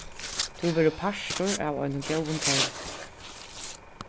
tú verður partur av einum góðum toymi